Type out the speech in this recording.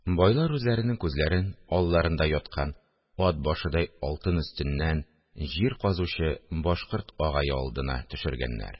Байлар үзләренең күзләрен алларында яткан «ат башыдай алтын» өстеннән җир казучы башкорт агае алдына төшергәннәр